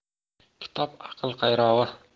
kitob aql qayrog'i